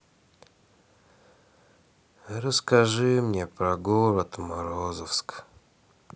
расскажи мне про город морозовск